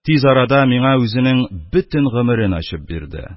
Тиз арада миңа үзенең бөтен гомерен ачып бирде.